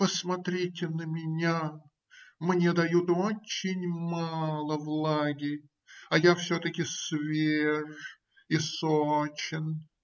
Посмотрите на меня: мне дают очень мало влаги, а я все-таки свеж и сочен.